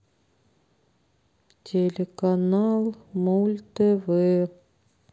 телеканал мульт тв